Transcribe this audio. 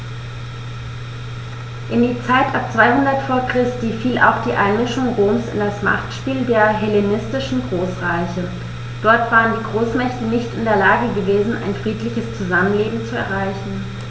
In die Zeit ab 200 v. Chr. fiel auch die Einmischung Roms in das Machtspiel der hellenistischen Großreiche: Dort waren die Großmächte nicht in der Lage gewesen, ein friedliches Zusammenleben zu erreichen.